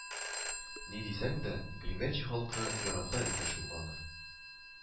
Ни дисәң дә, Гремячий халкы ярата иде шул аны